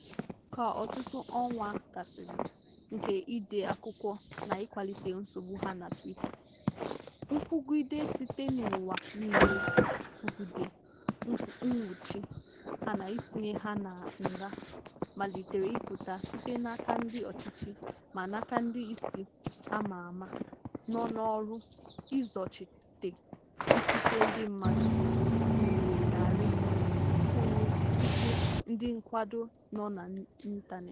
Ka ọtụtụ ọnwa gasịrị nke ide akụkọ na ịkwalite nsogbu ha na Twitter, nkwugide site n'ụwa niile kwugide nnwụchi ha na itinye ha na nga malitere ịpụta site n'aka ndị ọchịchị ma n'aka ndị isi a ma ama nọ n'ọrụ ịzọchite ikike ndị mmadụ, gụnyere narị kwụrụ puku ndị nkwado nọ n'ịntaneetị.